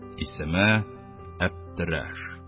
Исеме - Әптерәш.